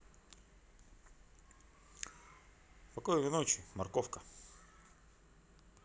спокойной ночи морковка